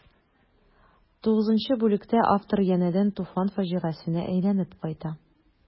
Тугызынчы бүлектә автор янәдән Туфан фаҗигасенә әйләнеп кайта.